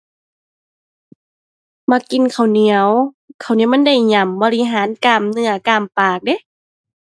มักกินข้าวเหนียว ข้าวเหนียวมันได้หยำบริหารกล้ามเนื้อกล้ามปากเดะ